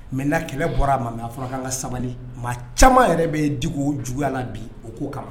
Maintenant kɛlɛ bɔra a ma mais a fɔra k'an ka sabali, maa caaman yɛrɛ bɛ diko juguya la bi o k'o kama.